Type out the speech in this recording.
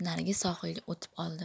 narigi sohilga o'tib oldi